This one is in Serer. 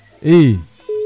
i